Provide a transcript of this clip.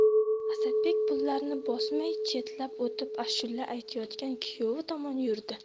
asadbek pullarni bosmay chetlab o'tib ashula aytayotgan kuyovi tomon yurdi